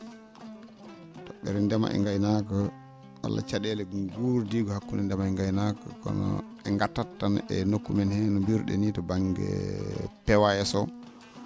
to??ere ndema e ngaynaaka walla ca?eele guurdiigu hakkunde ndema e ngaynaaka kono en ngartat tan e nokku men hee no mbiru ?en nii to ba?nge POAS